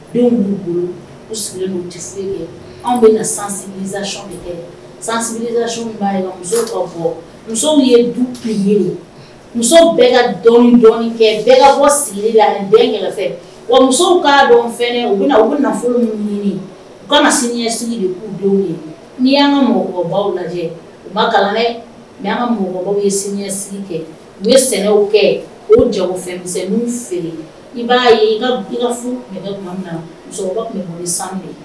Denw b'u bolo u sigilen tɛ anw bɛ na san kɛ san b'' bɔ musow ye du ye musow bɛ ka dɔn dɔn kɛ bɛ ka bɔ sigi wa musow' dɔn u u bɛ nafolo ɲini u ka sisigi de k'u denw ye n'i y an ka mɔgɔbaw lajɛ u'a kalan' ka mɔgɔ ye sisigi kɛ u ye sɛnɛw kɛ u ja fɛn feere i b'a ye ka furu min na tun bɛ san